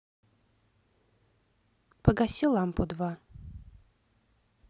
погаси лампу два